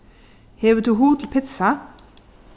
hevur tú hug til pitsa